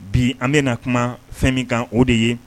Bi an bɛna na kuma fɛn min kan o de ye